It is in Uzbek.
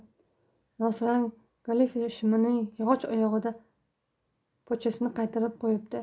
nosrang galife shimining yog'och oyog'idagi pochasini qayirib qo'yibdi